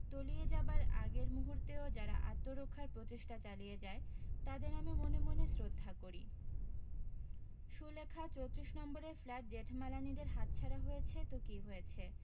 তলিয়ে যাবার আগের মূহুর্তেও যারা আত্মরক্ষার প্রচেষ্টা চালিয়ে যায় তাদের আমি মনে মনে শ্রদ্ধা করি সুলেখা চোত্রিশ নম্বরের ফ্ল্যাট জেঠমালানিদের হাতছাড়া হয়েছে তো কী হয়েছে